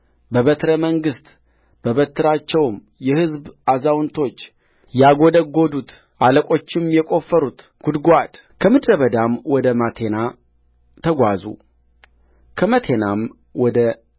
በበትረ መንግሥት በበትራቸውም የሕዝብ አዛውንቶች ያጐደጐዱትአለቆችም የቈፈሩት ጕድጓድከምድረ በዳም ወደ መቴና ተጓዙ ከመቴናም ወደ